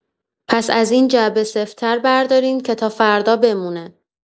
پس از این جعبه سفت‌تر بردارین که تا فردا بمونه.